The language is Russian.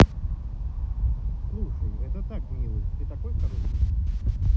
слушай это так милый ты такой хорошенький